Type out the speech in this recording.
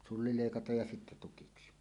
sulli leikataan ja sitten tukiksi